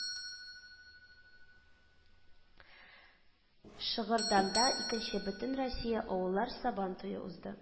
Шыгырданда Икенче Бөтенроссия авыллар сабан туе узды